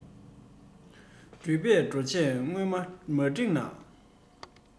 འགྲུལ པས འགྲོ ཆས སྔོན ནས མ བསྒྲིགས ན